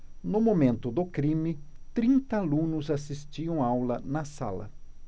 no momento do crime trinta alunos assistiam aula na sala